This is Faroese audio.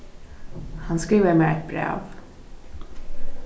hann skrivaði mær eitt bræv